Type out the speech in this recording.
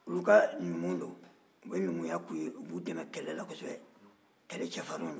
olu ka numuw don u bɛ numuya kɛ u ye u b'u dɛmɛ kɛlɛ la kosɛbɛ kɛlɛ cɛfarinw don